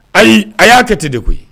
Ayi a y'a kɛ ten de koyi